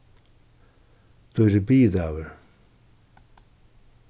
dýri biðidagur